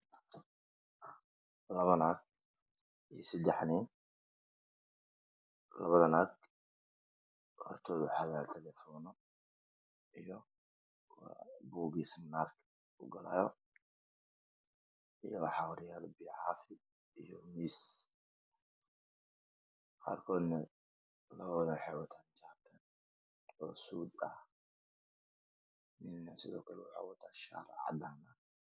Labo naag iyo seddex nin. Labada naag hortooda waxaa yaalo muubeelo, buug, biyo caafi iyo miis. Labana waxay wataan suud iyo shaati cadaan ah.